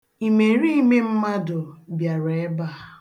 Imeriime mmadụ bịara ebe a.